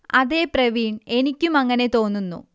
അതേ പ്രവീൺ എനിക്കും അങ്ങനെ തോന്നുന്നു